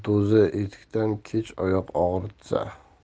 zardo'zi etikdan kech oyoq og'ritsa